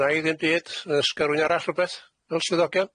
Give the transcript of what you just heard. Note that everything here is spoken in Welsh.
S'gynna i ddim byd. Yy 'sgan rywun arall rwbeth, fel swyddogion?